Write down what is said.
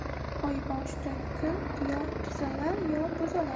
oy boshida kun yo tuzalar yo buzilar